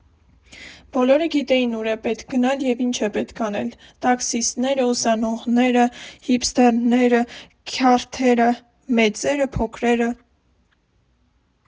Բոլորը գիտեին ուր է պետք գնալ և ինչ է պետք անել՝ տաքսիստները, ուսանողները, հիփսթերները, քյարթերը, մեծերը, փոքրերը։